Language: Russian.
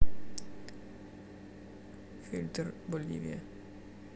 фильтр боливия